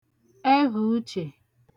ẹvhàuchè